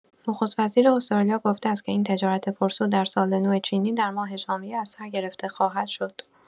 نخست‌وزیر استرالیا گفته است که این تجارت پرسود در سال‌نو چینی در ماه ژانویه از سر گرفته خواهد شد.